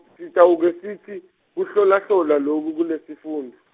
sitawuke sitsi, kuhlolahlola loku kulesifundvo.